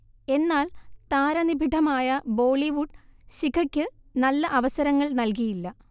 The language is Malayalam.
എന്നാൽ, താരനിബിഢമായ ബോളിവുഡ് ശിഖയ്ക്ക് നല്ല അവസരങ്ങൾ നൽകിയില്ല